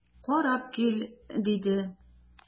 Карап кил,– диде.